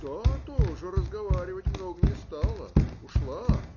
та тоже разговаривать много не стала, ушла.